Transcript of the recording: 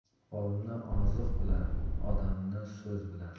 ovni oziq bilan odamni so'z bilan